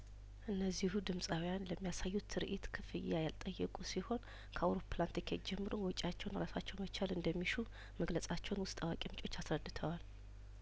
እነዚሁ ድምጻውያን ለሚ ያሳዩት ትርኢት ክፍያያል ጠየቁ ሲሆን ከአውሮፕላን ትኬት ጀምሮ ወጪያቸውን ራሳቸው መቻል እንደሚሹ መግለጻቸውን ውስጥ አዋቂምንጮች አስረድተዋል